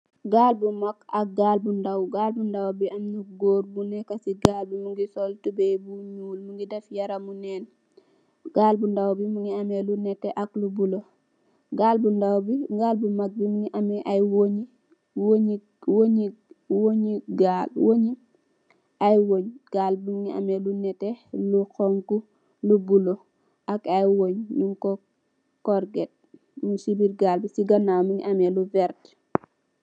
Gaal bu mak ak gaal bu ndaw, gaal bu ndaw bii amna gorre buneka cii gaal bii mungy sol tubeiyy bu njull, mungy deff yaramu nen, gaal bu ndaw bii mungy ameh lu nehteh, ak lu bleu, gaal bu ndaw bii gaal bu mak bii mungy ameh aiiy weungii, weunjii, weunjii, weunjii gaal weunghii, aiiy weungh, gaal bii mungy ameh lu nehteh, lu honhu, lu bleu ak aiiy weungh nung kor corrgate, mung cii birr gaal bii, cii ganaw mungy ameh lu vertue.